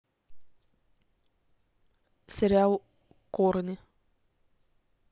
сериал корни